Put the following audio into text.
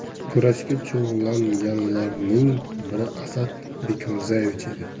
kurashga chog'langanlarning biri asad bekmirzaevich edi